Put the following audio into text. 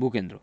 ভূ কেন্দ্র